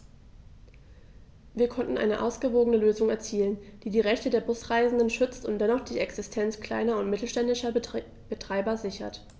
Wir konnten eine ausgewogene Lösung erzielen, die die Rechte der Busreisenden schützt und dennoch die Existenz kleiner und mittelständischer Betreiber sichert.